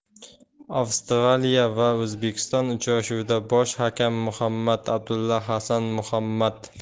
avstraliya va o'zbekiston uchrashuvida bosh hakam muhammad abdulla hassan muhammad